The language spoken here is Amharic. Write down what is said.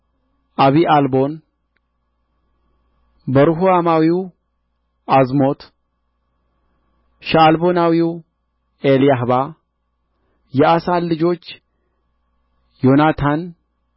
አቢዓልቦን በርሑማዊው ዓዝሞት ሸዓልቦናዊው ኤሊያሕባ የአሳን ልጆች ዮናታን